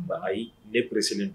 Baa ayi ne psi don